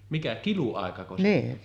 mikä kiluaikako se on